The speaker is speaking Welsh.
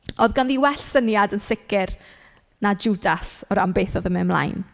Oedd ganddi well syniad yn sicr na Jwdas o ran beth oedd yn mynd mlaen.